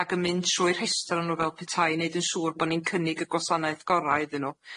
ac yn mynd trwy'r rhestr o nw fel petai, i neud yn siŵr bo' ni'n cynnig y gwasanaeth gora iddyn nw.